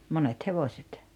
monet hevoset